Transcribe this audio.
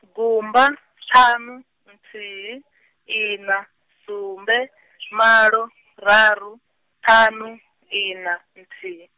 gumba , ṱhanu, nthihi, ina, sumbe, malo, raru, ṱhanu, ina, nthihi.